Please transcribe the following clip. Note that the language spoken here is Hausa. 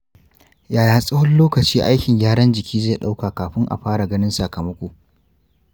yaya tsawon lokaci aikin gyaran jiki zai ɗauka kafin a fara ganin sakamako?